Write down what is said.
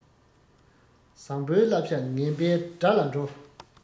བཟང པོའི བསླབ བྱ ངན པའི དགྲ ལ འགྲོ